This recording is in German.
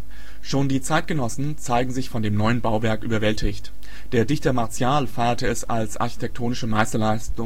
Schon die Zeitgenossen zeigten sich von dem neuen Bauwerk überwältigt. Der Dichter Martial feierte es als architektonische Meisterleistung